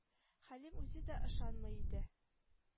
Хәлим үзе дә ышанмый иде